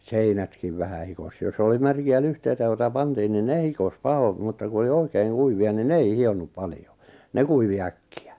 seinätkin vähän hikosi jos oli märkiä lyhteitä joita pantiin niin ne hikosi pahoin mutta kun oli oikein kuivia niin ne ei hionnut paljon ne kuivui äkkiä